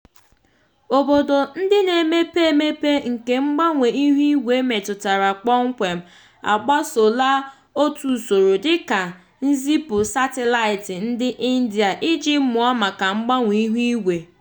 Obodo ndị na-emepe emepe nke mgbanwe ihuigwe metụtara kpọmkwem, agbasola otu usoro dịka nzipụ satịlaịtị ndị India iji mụọ maka mgbanwe ihuigwe.